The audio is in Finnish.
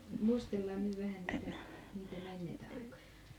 muistellaan nyt vähän niitä niitä menneitä aikoja